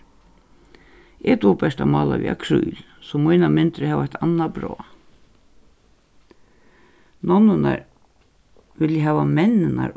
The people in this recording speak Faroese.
eg dugi bert at mála við akryl so mínar myndir hava eitt annað brá nonnurnar vilja hava menninar